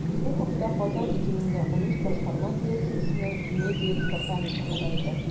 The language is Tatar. Бу хакта “Казан 2013” башкарма дирекциясенең медиа департаменты хәбәр итә.